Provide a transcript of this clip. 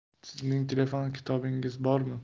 sizning telefon kitobingiz bormi